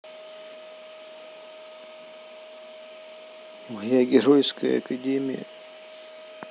моя геройская академия